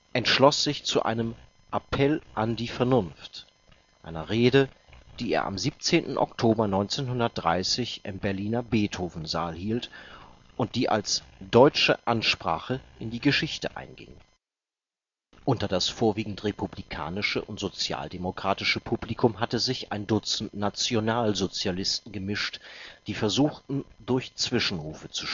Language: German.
entschloss sich zu einem Appell an die Vernunft, einer Rede, die er am 17. Oktober 1930 im Berliner Beethovensaal hielt und die als „ Deutsche Ansprache “in die Geschichte einging. Unter das vorwiegend republikanische und sozialdemokratische Publikum hatte sich ein Dutzend Nationalsozialisten gemischt, die versuchten, durch Zwischenrufe zu